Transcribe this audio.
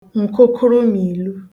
ǹkụkụrụmìlu